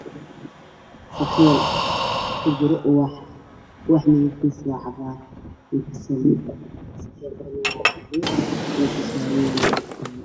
Meeshan waxa ka muuqda ubax yar oo ku jira weel madow